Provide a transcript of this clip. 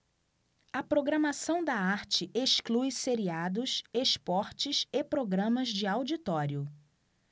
a programação da arte exclui seriados esportes e programas de auditório